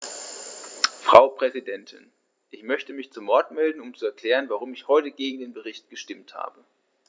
Frau Präsidentin, ich möchte mich zu Wort melden, um zu erklären, warum ich heute gegen den Bericht gestimmt habe.